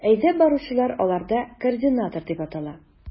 Әйдәп баручылар аларда координатор дип атала.